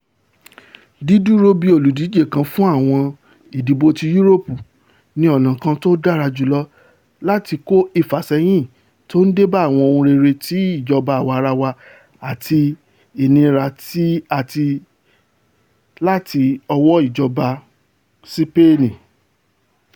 Dídúró bíi olùdíje kan fún àwọn ìdìbò ti Yúróòpù ni ọ̀nà kan tó dára jùlọ láti kọ ìfàsẹ́yìn tó ńdébá àwọn ohun rere ti ìjọba àwarawa àti inira tí a tí láti ọwọ́ ìjọba Sipeeni.